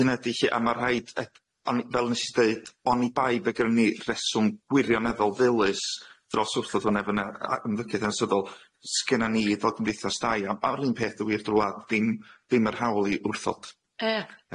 hyne ydi lly fel nes i ddeud oni bai bod ganddo ni reswm gwirioneddol ddilys dros wrthod hwne fod na ymddygiad hanesyddol sgynno ni fel cymdaeithas dai a'r run peth yn wir drwodd, does ganddo ni ddim yr hawl i wrthod.